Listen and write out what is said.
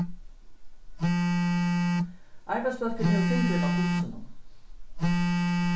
arbeiðsbólkurin hevur fingurin á pulsinum